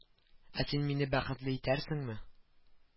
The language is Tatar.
Ә син мине бәхетле итәрсеңме